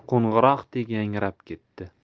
qo'ng'iroqdek yangrab ketdi